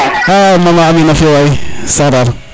a Maman Amy nam fio waay Sarare